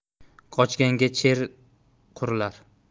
qochganga cher qurilar